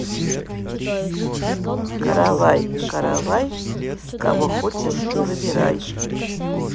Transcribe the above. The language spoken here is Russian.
каравай каравай кого хочешь выбирай